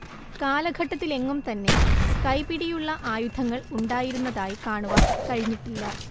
കാലഘട്ടത്തിലെങ്ങും തന്നെ കൈപിടിയുള്ള ആയുധങ്ങൾ ഉണ്ടായിരുന്നതായി കാണുവാൻ കഴിഞ്ഞിട്ടില്ല